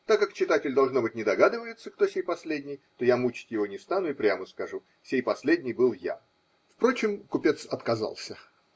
Так как читатель, должно быть, не догадывается, кто сей последний, то я мучить его не стану и прямо скажу: сей последний был я. Впрочем, купец отказался.